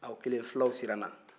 aa o kɛlen fulaw siranna